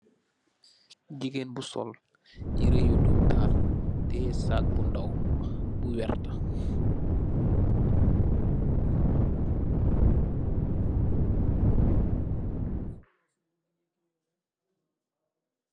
Gigeen bu sol yirèh yu dom tahal, teyeh sagg bu ndaw bu werta.